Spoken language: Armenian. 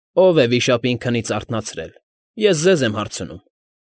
Ո՞վ է վիշապին քնից արթնացրել, ես ձեզ եմ հարցնում։